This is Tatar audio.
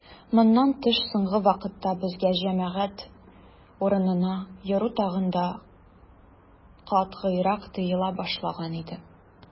Моннан тыш, соңгы вакытта безгә җәмәгать урыннарына йөрү тагын да катгыйрак тыела башлаган иде.